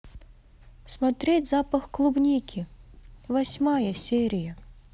смотреть запах клубники восьмая серия